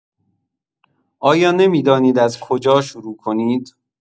آیا نمی‌دانید از کجا شروع کنید؟